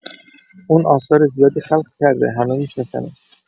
اون آثار زیادی خلق کرده همه می‌شناسنش